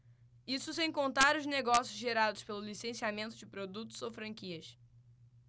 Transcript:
isso sem contar os negócios gerados pelo licenciamento de produtos ou franquias